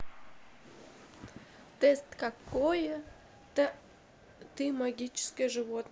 тест какое ты магическое животное